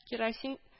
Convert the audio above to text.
Керосин